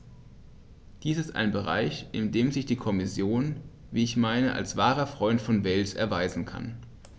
Dies ist ein Bereich, in dem sich die Kommission, wie ich meine, als wahrer Freund von Wales erweisen kann.